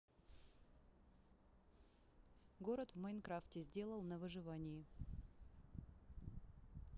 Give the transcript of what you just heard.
город в майнкрафте сделал на выживании